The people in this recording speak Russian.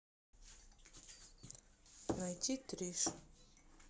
найти триши